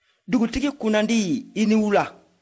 dugutigi kunnandi i ni wula